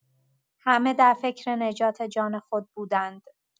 همه در فکر نجات جان خود بودند.